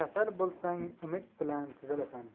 bo'lsang umid bilan tuzalasan